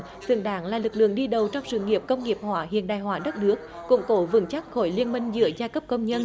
xứng đáng là lực lượng đi đầu trong sự nghiệp công nghiệp hóa hiện đại hóa đất nước củng cố vững chắc khỏi liên minh giữa giai cấp công nhân